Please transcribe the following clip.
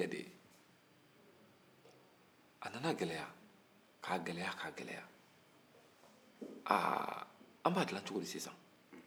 a nana gɛlɛya k'a gɛlɛya k'a gɛlɛya aa an b'a dilan cogo di sisan